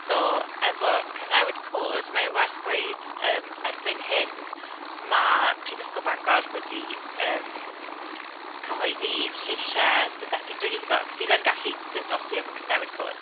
So efo cyfnewid cod, mae e werth gweud yym erbyn hyn ma' Prifysgol Bangor wedi yym cyhoeddi lleisiau synthetic dwyieithog sydd yn gallu ymdopi efo cyfnewid cod so...